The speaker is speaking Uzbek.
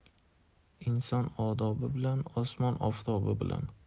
inson odobi bilan osmon oftobi bilan